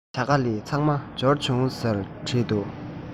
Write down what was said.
ཇ ག ལི ཚང མ འབྱོར བྱུང